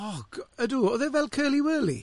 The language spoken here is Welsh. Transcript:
O, ydw, oedd e fel Curly Wurly?